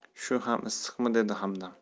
shu ham issiqmi dedi hamdam